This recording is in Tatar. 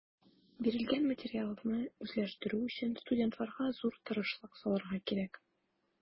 Бирелгән материалны үзләштерү өчен студентларга зур тырышлык салырга кирәк.